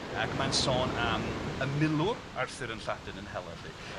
Ac ma'n sôn am y milwr Arthur yn Lladin yn hela, 'lly. Ia.